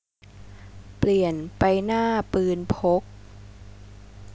เปลี่ยนไปหน้าปืนพก